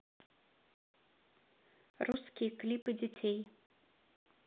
русские клипы детей